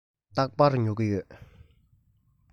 རྟག པར ཉོ གི ཡོད